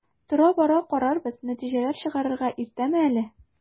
Тора-бара карарбыз, нәтиҗәләр чыгарырга иртәме әле?